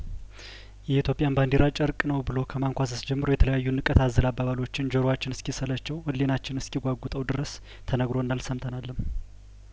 የኢትዮጵያን ባንዲራ ጨርቅ ብሎ ከማንኳሰስ ጀምሮ የተለያዩ ንቀት አዘል አባባሎችን ጆሮዋችን እስኪሰለቸው ህሊናችን እስኪጓጉጠው ድረስ ተነግሮናል ሰምተናልም